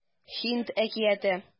Һинд әкияте